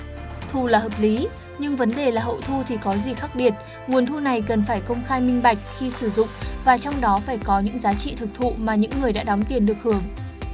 thu là hợp lý nhưng vấn đề là hậu thu thì có gì khác biệt nguồn thu này cần phải công khai minh bạch khi sử dụng và trong đó phải có những giá trị thực thụ mà những người đã đóng tiền được hưởng